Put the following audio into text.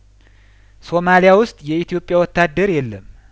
ሶማሊያ ውስጥ የኢትዮጵያ ወታደር የለም